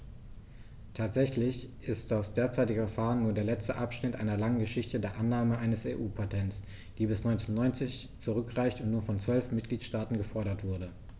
Tatsächlich ist das derzeitige Verfahren nur der letzte Abschnitt einer langen Geschichte der Annahme eines EU-Patents, die bis 1990 zurückreicht und nur von zwölf Mitgliedstaaten gefordert wurde.